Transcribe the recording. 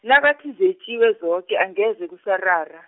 nakathi zetjiwe zoke, angeze kusarara.